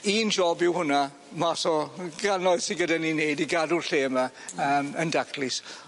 Un job yw hwnna mas o gannoedd sy gyda ni neud i gadw'r lle yma yym yn daclus.